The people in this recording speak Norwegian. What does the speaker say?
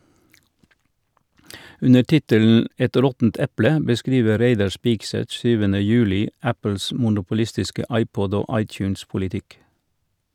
Under tittelen "Et råttent eple" beskriver Reidar Spigseth 7. juli Apples monopolistiske iPod- og iTunes-politikk.